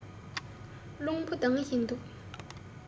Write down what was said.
རླུང བུ ལྡང བཞིན འདུག